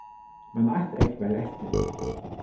men eitt egg var eftir